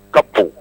Ka ko